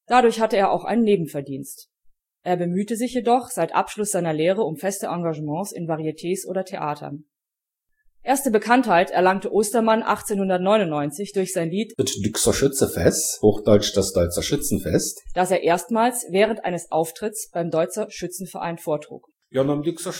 Dadurch hatte er auch einen Nebenverdienst; er bemühte sich jedoch seit Abschluss seiner Lehre um feste Engagements in Varietés oder Theatern. Erste Bekanntheit erlangte Ostermann 1899 durch sein Lied Et Düxer Schötzefeß (Das Deutzer Schützenfest), das er erstmals während eines Auftritt beim Deutzer Schützenverein vortrug: Jo nom Düxer